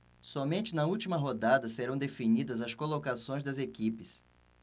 somente na última rodada serão definidas as colocações das equipes